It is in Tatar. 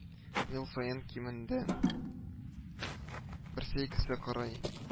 Ел саен кимендә берсе-икесе корый